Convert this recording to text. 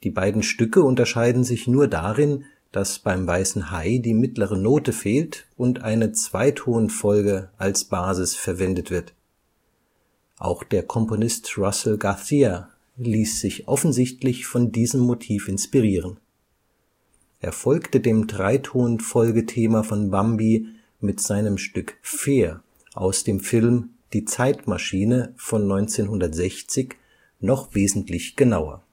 beiden Stücke unterscheiden sich nur darin, dass beim Weißen Hai die mittlere Note fehlt und eine Zweitonfolge als Basis verwendet wird. Auch der Komponist Russell Garcia ließ sich offensichtlich von diesem Motiv inspirieren. Er folgte dem Dreitonfolge-Thema von Bambi mit seinem Stück „ Fear “aus dem Film Die Zeitmaschine von 1960 noch wesentlich genauer